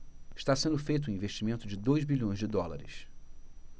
está sendo feito um investimento de dois bilhões de dólares